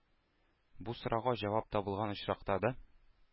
Бу сорауга җавап табылган очракта да,